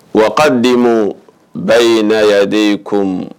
Wa d' ma ba ye naden ye ko mun